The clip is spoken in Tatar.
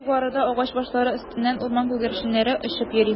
Югарыда агач башлары өстеннән урман күгәрченнәре очып йөри.